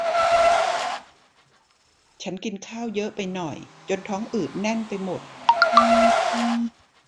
ฉันกินข้าวเยอะไปหน่อยจนท้องอืดแน่นไปหมด